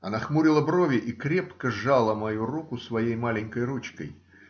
Она хмурила брови и крепко жала мою руку своею маленькой ручкой.